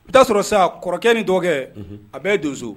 I bɛ'a sɔrɔ sa kɔrɔkɛ ni dɔgɔ a bɛ donso